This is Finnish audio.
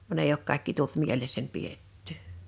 vaan ei ole kaikki tullut mielessäni pidettyä